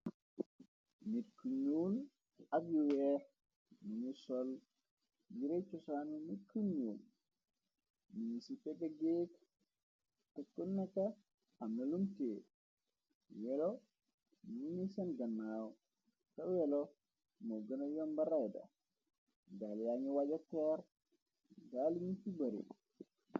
Nit ku ñuul ak yu weex muñuy sol giray cosaanu nit ku ñu miñu ci teggéeg teknk amnalumte yelo mu ñuy seen gannaaw ta welo moo gëna yomba rayda daal yañu waja teer daali ñu ti bare.